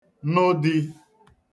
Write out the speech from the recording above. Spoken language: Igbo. nụ di